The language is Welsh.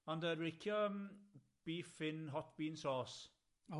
Ond yy rycio yym beef in hot bean sauce.